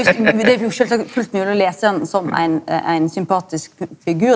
det er jo sjølvsagt fullt mogleg å lese den som ein ein sympatisk figur.